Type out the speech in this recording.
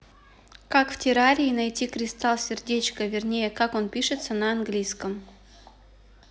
как в террарии найти кристалл сердечко вернее как он пишется на английском